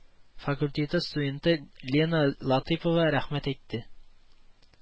Факультеты студенты лена латыйпова рәхмәт әйтте